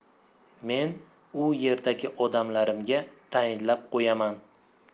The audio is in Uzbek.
men u yerdagi odamlarimga tayinlab qo'yaman